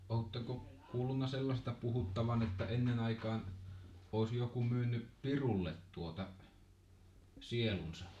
oletteko kuullut sellaista puhuttavan että ennen aikaan olisi joku myynyt pirulle tuota sielunsa